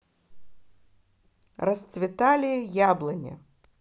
расцветали яблони